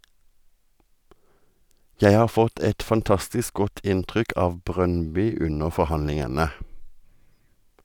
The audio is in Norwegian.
Jeg har fått et fantastisk godt inntrykk av Brøndby under forhandlingene .